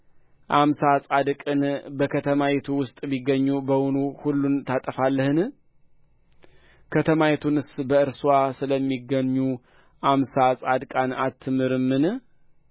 አምሳ ጻድቃን በከተማይቱ ውስጥ ቢገኙ በውኑ ሁሉን ታጠፋለህን ከተማይቱንስ በእርስዋ ስለሚገኙ አምሳ ጻድቃን አትምርምን